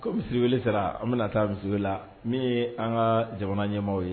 Ko misiriwele kɛra an bɛna taa misiriwele la min yee an ŋaa jamana ɲɛmaaw ye